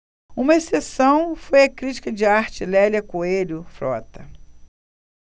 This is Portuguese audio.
uma exceção foi a crítica de arte lélia coelho frota